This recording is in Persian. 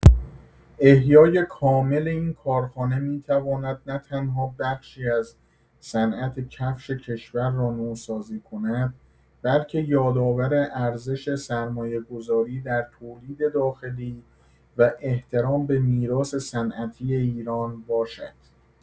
احیای کامل این کارخانه می‌تواند نه‌تنها بخشی از صنعت کفش کشور را نوسازی کند، بلکه یادآور ارزش سرمایه‌گذاری در تولید داخلی و احترام به میراث صنعتی ایران باشد.